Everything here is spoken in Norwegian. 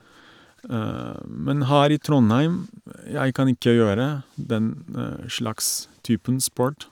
Men her i Trondheim, jeg kan ikke gjøre den slags typen sport.